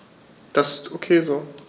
Das ist ok so.